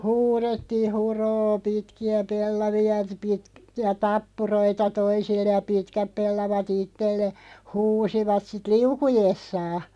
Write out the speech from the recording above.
huudettiin huroo pitkiä pellavia - pitkiä tappuroita toisille ja pitkät pellavat itselle huusivat sitten liukuessaan